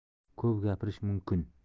ko'p gapirish mumkin